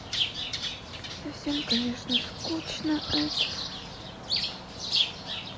совсем конечно скучно это